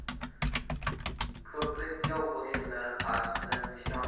ko'prik yov qo'shinlari qarshisida nishon